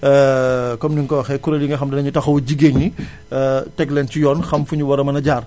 comme ni nga ko waxee kuréel yi nga xam ne dañu taxawu jigéen ñi teg leen ci yoon xam fu ñu war a mën a jaar